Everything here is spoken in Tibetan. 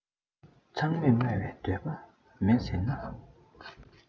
ཚང མས སྨོད པའི འདོད པ མེད ཟེར ན